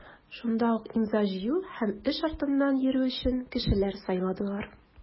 Шунда ук имза җыю һәм эш артыннан йөрү өчен кешеләр сайладылар.